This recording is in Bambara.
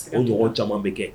O ɲɔgɔn caman bɛ kɛ